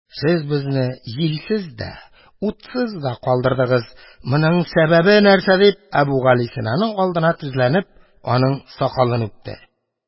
Сез безне җилсез дә, утсыз да калдырдыгыз, моның сәбәбе нәрсә? – дип, Әбүгалисинаның алдына тезләнеп, аның сакалын үпте.